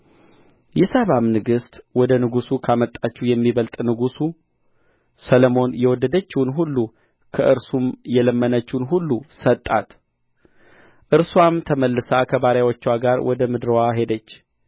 የሳባም ንግሥት ወደ ንጉሡ ካመጣችው የሚበልጥ ንጉሡ ሰሎሞን የወደደችውን ሁሉ ከእርሱም የለመነችውን ሁሉ ሰጣት እርስዋም ተመልሳ ከባሪያዎችዋ ጋር ወደ ምድርዋ ሄደች